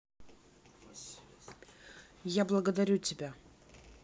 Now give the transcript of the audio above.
я благодарю тебя